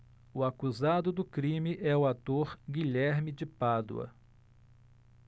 o acusado do crime é o ator guilherme de pádua